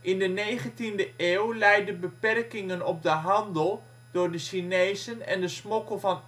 In de 19e eeuw leidde beperkingen op de handel door de Chinezen en de smokkel van